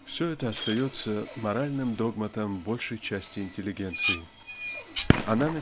-- все это остается моральным догматом большей части интеллигенции. Она